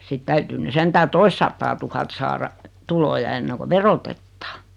sitten täytyy nyt sentään toistasataatuhatta saada tuloja ennen kuin verotetaan